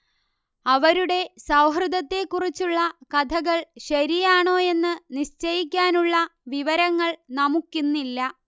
അവരുടെ സൗഹൃദത്തെക്കുറിച്ചുള്ള കഥകൾ ശരിയാണോ എന്ന് നിശ്ചയിക്കാനുള്ള വിവരങ്ങൾ നമുക്കിന്നില്ല